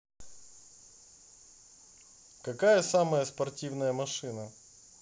какая самая спортивная машина